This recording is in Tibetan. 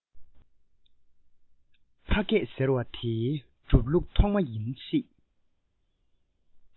ཕ སྐད ཟེར བ དེའི གྲུབ ལུགས ཐོག མ ཡིན སྲིད